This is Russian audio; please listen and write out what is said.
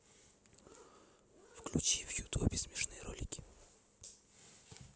включи в ютубе смешные ролики